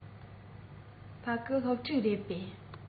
ཕ གི སློབ ཕྲུག རེད པས